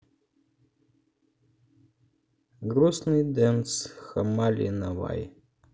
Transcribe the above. грустный дэнс hammali navai